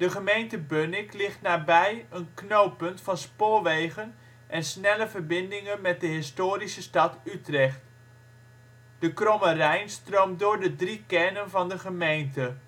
gemeente Bunnik ligt nabij een knooppunt van spoorwegen en snelle verbindingen met de historische stad Utrecht. De Kromme Rijn stroomt door de drie kernen van de gemeente